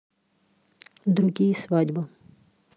другие свадьбы